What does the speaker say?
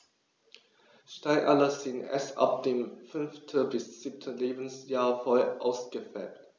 Steinadler sind erst ab dem 5. bis 7. Lebensjahr voll ausgefärbt.